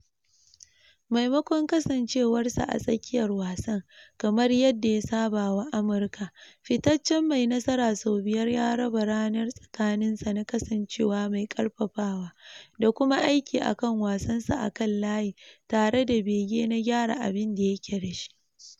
Maimakon kasancewarsa a tsakiyar wasan, kamar yadda ya saba wa Amurka, fitaccen mai nasara sau biyar ya raba ranar tsakaninsa na kasancewa mai karfafawa da kuma aiki a kan wasansa a kan layi tare da bege na gyara abin da yake da shi .